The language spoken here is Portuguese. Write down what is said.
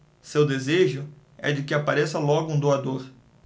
seu desejo é de que apareça logo um doador